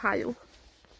haul.